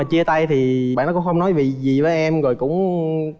chia tay thì bạn ý cũng không nói gì với em rồi cũng